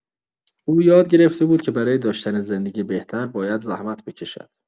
او یاد گرفته بود که برای داشتن زندگی بهتر باید زحمت بکشد.